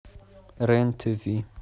рен тиви